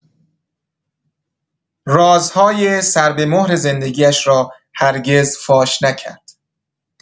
رازهای سربه‌مهر زندگی‌اش را هرگز فاش نکرد.